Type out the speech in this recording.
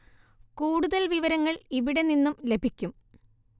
കൂടുതല്‍ വിവരങ്ങള്‍ ഇവിടെ നിന്നും ലഭിക്കും